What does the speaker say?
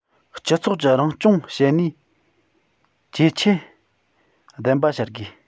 སྤྱི ཚོགས ཀྱི རང སྐྱོང བྱེད ནུས ཇེ ཆེ ལྡན པ བྱ དགོས